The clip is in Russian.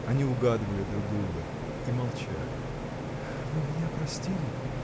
Они угадывали друг друга и молчали. — Вы меня простили?